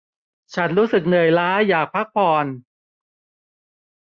ฉันรู้สึกเหนื่อยล้าอยากพักผ่อน